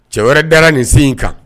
Cɛ dara nin sen in kan